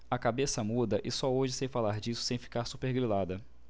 a cabeça muda e só hoje sei falar disso sem ficar supergrilada